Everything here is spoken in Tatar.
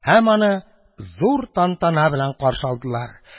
Һәм аны зур тантана белән каршы алдылар.